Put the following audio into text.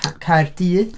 Ca- Caerdydd.